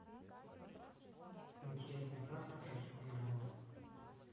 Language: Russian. интересные факты про диснейленд